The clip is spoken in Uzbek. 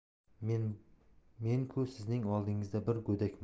men ku sizning oldingizda bir go'dakman